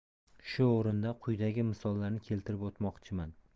shu o'rinda quyidagi misollarni keltirib o'tmoqchiman